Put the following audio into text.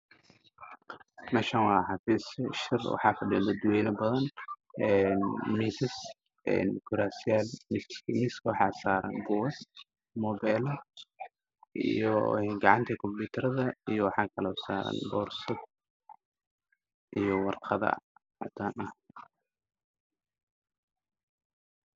Halkaan waxaa fadhiyo niman dhalinyaro ah oo labo saf fadhiyo midabka dharka ay qabaan waa shaati cadaan mid kamid ah waxa uu qabaa shaati buluug miiskana waxaa u saaran buugaag